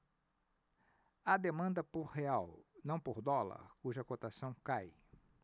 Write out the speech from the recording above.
há demanda por real não por dólar cuja cotação cai